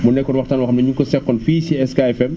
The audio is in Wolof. mu nekkoon waxtaan boo xam ne ñu ngi ko seqoon fii si SK FM